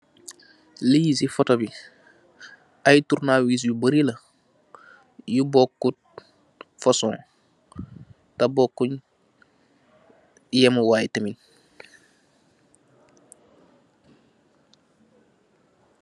Lii si photo bi, aye turnawis yu barri lah, yu bokut fashion, ta bokunye yemuwaay tamit.